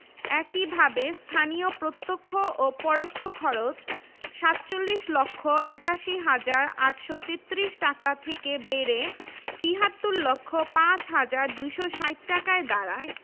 এবং অর্থব্যয় হয়েছে ৩ লক্ষ ৮৩ হাজার ৬১৯ টাকা ১৯০৫ থেকে ১৯১০ ১১ শিক্ষাবর্ষ পর্যন্ত